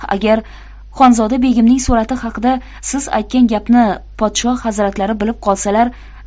agar xonzoda begimning surati haqida siz aytgan gapni podshoh hazratlari bilib qolsalar